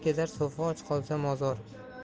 kezar so'fi och qolsa mozor